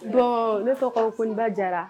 Don ne tɔgɔ ko koba jara